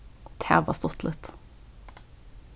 tað var stuttligt